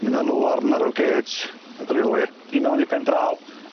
mynd â n'w ar narrow gauge y railwê i mewn i'r pen draw